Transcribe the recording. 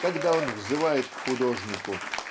когда он взывает к художнику